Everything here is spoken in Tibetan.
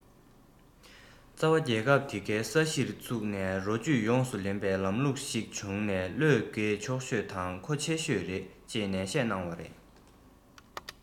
རྩ བ རྒྱལ ཁབ དེ གའི ས གཞིར ཚུགས ནས རོ བཅུད ཡོངས སུ ལེན པའི ལམ ལུགས ཤིག བྱུང ན བློས འགེལ ཆོག ཤོས དང མཁོ ཆེ ཤོས རེད ཅེས ནན བཤད གནང བ རེད